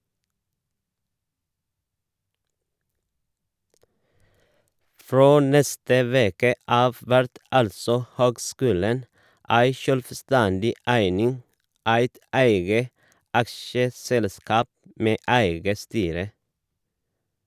Frå neste veke av vert altså høgskulen ei sjølvstendig eining, eit eige aksjeselskap med eige styre.